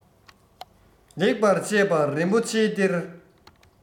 ལེགས པར བཤད པ རིན པོ ཆེའི གཏེར